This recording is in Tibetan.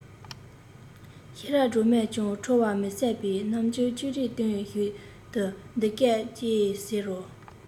ཤེས རབ སྒྲོལ མས ཀྱང ཁྲོ བ མི ཟད པའི རྣམ འགྱུར ཅི རིགས སྟོན བཞིན དུ འདི སྐད ཅེས ཟེར རོ